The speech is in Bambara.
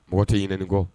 Mɔgɔ tɛ ɲinɛ nin kɔ.